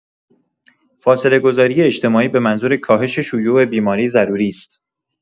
فاصله‌گذاری اجتماعی به‌منظور کاهش شیوع بیماری ضروری است.